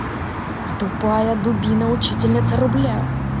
a тупая дубина учительница рубля